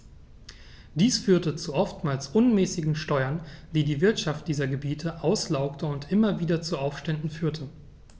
Dies führte zu oftmals unmäßigen Steuern, die die Wirtschaft dieser Gebiete auslaugte und immer wieder zu Aufständen führte.